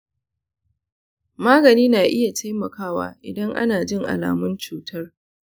magani na iya taimakawa idan ana jin alamun cutar .